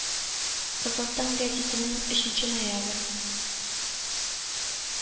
Кызыл таң гәзитенең өченче ноябрь